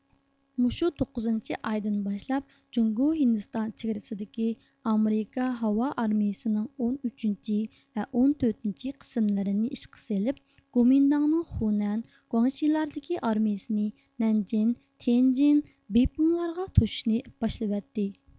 مۇشۇ توققۇزىنچى ئايدىن باشلاپ جۇڭگو ھىندىستان چېگرىسىدىكى ئامېرىكا ھاۋا ئارمىيىسىنىڭ ئون ئۈچىنچى ۋە ئون تۆتىنچى قىسىملىرىنى ئىشقا سېلىپ گومىنداڭنىڭ خۇنەن گۇاڭشىلاردىكى ئارمىيىسىنى نەنجىڭ تيەنجىن بېيپىڭلارغا توشۇشنى باشلىۋەتتى